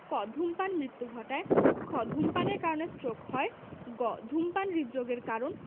ক ধূমপান মৃত্যু ঘটায় খ ধূমপানের কারণে ষ্ট্রোক হয় গ ধূমপান হৃদরোগের কারণ